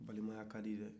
balimaya kadi dɛ